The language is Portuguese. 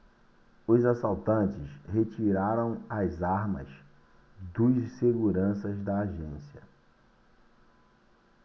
os assaltantes retiraram as armas dos seguranças da agência